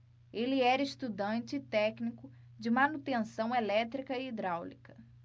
ele era estudante e técnico de manutenção elétrica e hidráulica